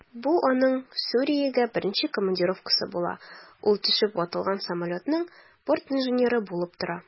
Бу аның Сүриягә беренче командировкасы була, ул төшеп ватылган самолетның бортинженеры булып тора.